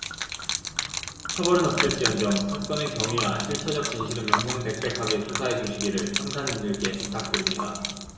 처벌은 없을지언정 사건의 경위와 실체적 진실은 명명백백하게 수사해주시기를 형사님들께 부탁드립니다